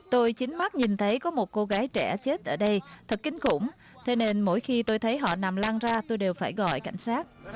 tôi chính mắt nhìn thấy có một cô gái trẻ chết ở đây thật kinh khủng thế nên mỗi khi tôi thấy họ nằm lăn ra tôi đều phải gọi cảnh sát